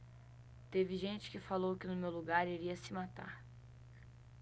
teve gente que falou que no meu lugar iria se matar